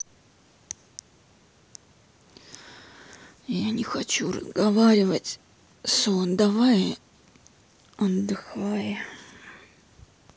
я не хочу разговаривать со давай отдыхай